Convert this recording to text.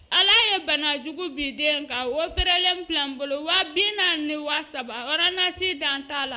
Ala ye bana jugu bin den kan a opéré len filɛ anw bolo 215 000 ordonnance dan t'a la